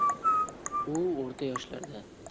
u orta yoshlarda